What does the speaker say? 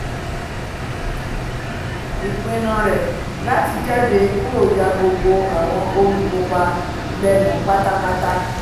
Ìpinnu rẹ̀ láti jáde kúrò ya gbogbo àwọn ólὺkópa ̀lẹ́nu pátápátá.